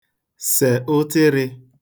sè ụtịrị̄